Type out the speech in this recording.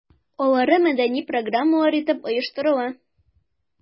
Алары мәдәни программалар итеп оештырыла.